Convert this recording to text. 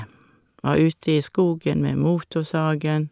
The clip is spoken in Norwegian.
Var ute i skogen med motorsagen.